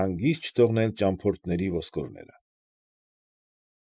Հանգիստ չթողնել ճամփորդների ոսկորները։